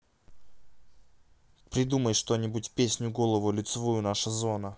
придумай что нибудь песню голову лицевую наша зона